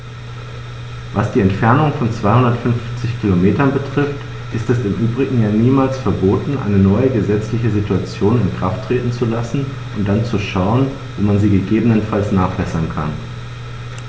Was die Entfernung von 250 Kilometern betrifft, ist es im Übrigen ja niemals verboten, eine neue gesetzliche Situation in Kraft treten zu lassen und dann zu schauen, wo man sie gegebenenfalls nachbessern kann.